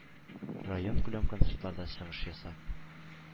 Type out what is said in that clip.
Районкүләм концертларда чыгыш ясап,